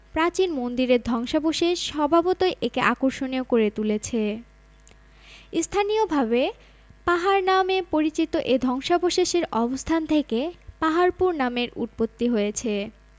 প্রাচীন মন্দিরের ধ্বংসাবশেষ স্বভাবতই একে আকর্ষণীয় করে তুলেছে স্থানীয়ভাবে পাহাড় নামে পরিচিত এ ধ্বংসাবশেষের অবস্থান থেকে পাহাড়পুর নামের উৎপত্তি হয়েছে